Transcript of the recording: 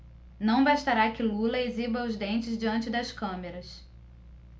não bastará que lula exiba os dentes diante das câmeras